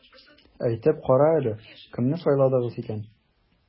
Әйтеп кара әле, кемне сайладыгыз икән?